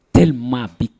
T maa bi